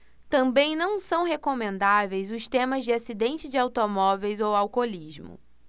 também não são recomendáveis os temas de acidentes de automóveis ou alcoolismo